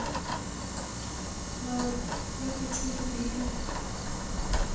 ладно я хочу любимку